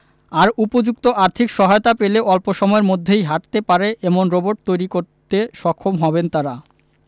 আর উপযুক্ত আর্থিক সহায়তা পেলে অল্প সময়ের মধ্যেই হাঁটতে পারে এমন রোবট তৈরি করতে সক্ষম হবেন তারা